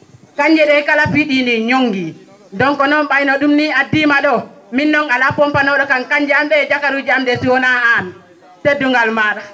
kanjje ?e kala piidi?i ñawdi donc noon ?ayno ?um ni addima ?o min noon ala pompano?o kam kanjje am ?e e jakatuje am ?e sowona an teddugal ma?a